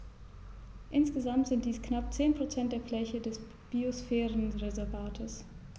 Insgesamt sind dies knapp 10 % der Fläche des Biosphärenreservates.